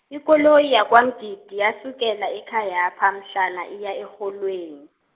ikoloyi yakwaMgidi, yasukela ekhayapha, mhlana iya erholweni.